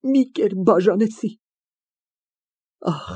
Մի կերպ բաժանեցի։